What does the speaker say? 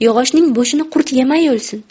yog'ochning bo'shini qurt yemay o'lsin